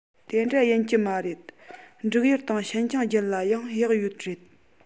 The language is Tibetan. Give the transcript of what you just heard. དེ འདྲ ཡིན གྱི མ རེད འབྲུག ཡུལ དང ཤིན ཅང རྒྱུད ལ ཡང གཡག ཡོད རེད